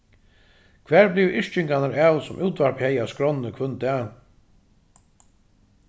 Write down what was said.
hvar blivu yrkingarnar av sum útvarpið hevði á skránni hvønn dag